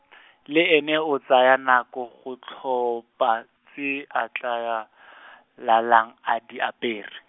le ene a tsaya nako go tlhopha tse a tla , lalang a di apere.